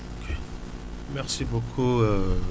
ok merci beaucoup